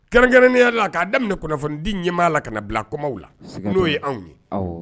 Kɛrɛnkɛrɛninya la k'a daminɛ kunnafonidi ɲɛmaa la k'a bila kɔmaw la n'o ye anw ye, awɔ.